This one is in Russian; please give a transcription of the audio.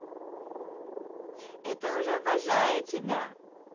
это уже обожаю тебя